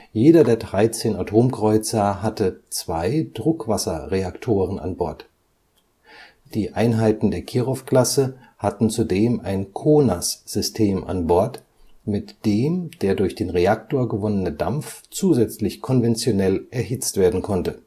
Jeder der 13 Atomkreuzer hatte zwei Druckwasserreaktoren an Bord. Die Einheiten der Kirow-Klasse hatten zudem ein CONAS-System an Bord, mit dem der durch den Reaktor gewonnene Dampf zusätzlich konventionell erhitzt werden konnte